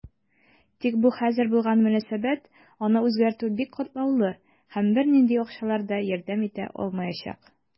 Тик бу хәзер булган мөнәсәбәт, аны үзгәртү бик катлаулы, һәм бернинди акчалар да ярдәм итә алмаячак.